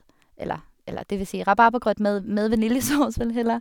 eller Eller, det vil si rabarbragrøt med med vaniljesaus, vel, heller.